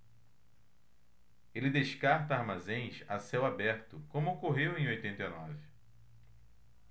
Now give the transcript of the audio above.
ele descarta armazéns a céu aberto como ocorreu em oitenta e nove